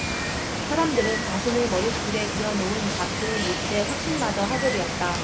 사람들은 자신의 머릿속에 그려놓은 잡스의 모습에 확신마저 하게 되었다